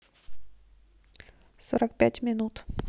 сорок пять минут